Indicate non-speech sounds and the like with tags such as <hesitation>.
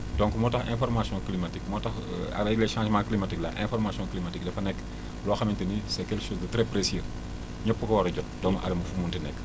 donc moo tax information climatique moo tax <hesitation> avec les changement climatiques là information climatique dafa nekk loo xamante ni c' est quelque chose de très précieux ñëpp a ko war a jot doomu aadama fu mu mënti nekk